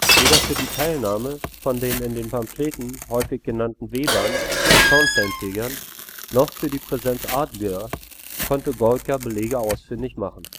Weder für die Teilnahme von den in den Pamphleten häufig genannten Webern und Schornsteinfegern noch für die Präsenz Adliger konnte Goldgar Belege ausfindig machen